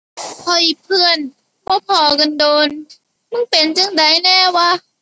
เฮ้ย เพื่อน บ่พ้อกันโดน มึงเป็นจั่งใดแหน่วะ